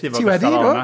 Ti wedi do?